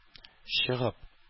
Чыгып